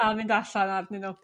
a fynd allan arnyn nhw.